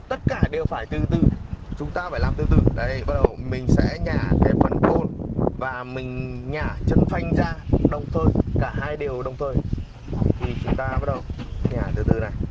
tất cả đều phải từ từ chúng ta phải làm từ từ đây bắt đầu mình sẽ nhả cái phần côn và mình nhả chân phanh ra đồng thời cả hai đều đồng thời thì chúng ta bắt đầu nhả từ từ này